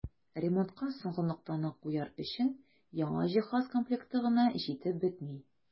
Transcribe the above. Ремонтка соңгы ноктаны куяр өчен яңа җиһаз комплекты гына җитеп бетми.